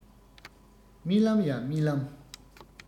རྨི ལམ ཡ རྨི ལམ